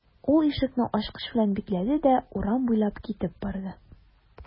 Ул ишекне ачкыч белән бикләде дә урам буйлап китеп барды.